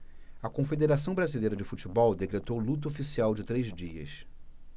a confederação brasileira de futebol decretou luto oficial de três dias